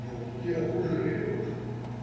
И утки окружили лягушку.